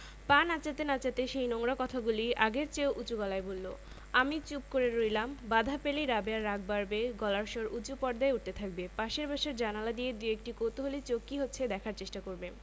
পা নাচাতে নাচাতে সেই নোংরা কথাগুলি আগের চেয়েও উচু গলায় বললো আমি চুপ করে রইলাম বাধা পেলেই রাবেয়ার রাগ বাড়বে গলার স্বর উচু পর্দায় উঠতে থাকবে পাশের বাসার জানালা দিয়ে দুএকটি কৌতুহলী চোখ কি হচ্ছে দেখতে চেষ্টা করবে